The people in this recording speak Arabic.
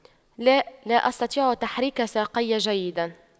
لا لا أستطيع تحريك ساقي جيدا